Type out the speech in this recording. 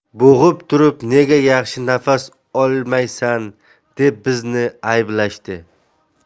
bo'g'ib turib nega yaxshi nafas olmaysan deb bizni ayblashadi